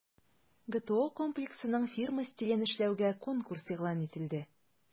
ГТО Комплексының фирма стилен эшләүгә конкурс игълан ителде.